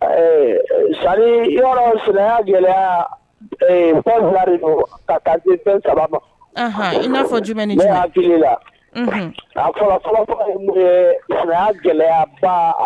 Ɛɛ sa yɔrɔ sariya gɛlɛya filari ka saba ma i'a fɔ jumɛn a gɛlɛya ba a